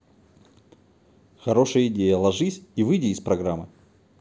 хорошо идея ложись выйди из программы